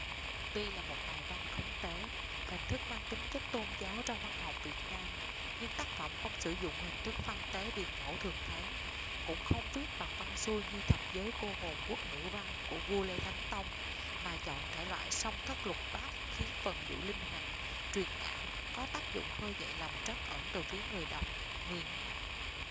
tuy là một bài văn khấn tế hình thức mang tính chất tôn giáo trong văn học việt nam nhưng tác phẩm không sử dụng hình thức văn tế biền ngẫu thường thấy cũng không viết bằng văn xuôi như thập giới cô hồn quốc ngữ văn của vua lê thánh tông mà chọn thể loại song thất lục bát khiến vần điệu linh hoạt truyền cảm có tác dụng khơi dậy lòng trắc ẩn từ phía người đọc người nghe